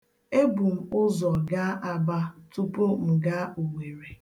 Ebu m ụzọ gaa Aba tupu m gaa Owere.